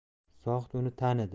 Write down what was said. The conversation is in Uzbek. zohid uni tanidi